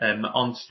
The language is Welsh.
yym ond